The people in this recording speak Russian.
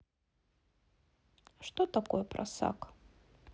что такое просак